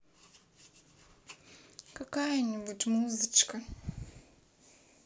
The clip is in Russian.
какая нибудь музычка